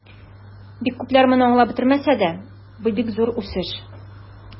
Бик күпләр моны аңлап бетермәсә дә, бу бик зур үсеш.